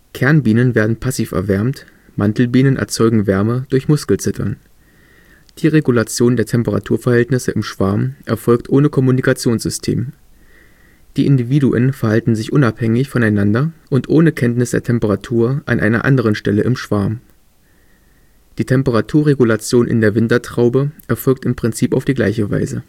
Kernbienen werden passiv erwärmt, Mantelbienen erzeugen Wärme durch Muskelzittern. Die Regulation der Temperaturverhältnisse im Schwarm erfolgt ohne Kommunikationssystem. Die Individuen verhalten sich unabhängig voneinander und ohne Kenntnis der Temperatur an einer anderen Stelle im Schwarm. Die Temperaturregulation in der Wintertraube erfolgt im Prinzip auf die gleiche Weise